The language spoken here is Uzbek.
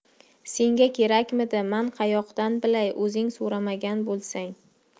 senga kerakmidi man qayoqdan bilay o'zing so'ramagan bo'lsang